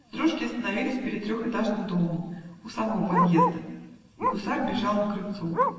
Дрожки остановились перед трехэтажным домом, у самого подъезда, и гусар вбежал на крыльцо.